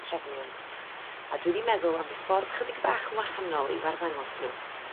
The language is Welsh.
trefniant a dwi 'di meddwl am ffordd chydig y' bach yn wahanol i'w arddangos n'w.